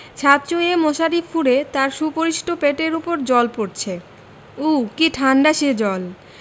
ছাদ চুঁইয়ে মশারি ফুঁড়ে তাঁর সুপরিপুষ্ট পেটের উপর জল পড়চে উঃ কি ঠাণ্ডা সে জল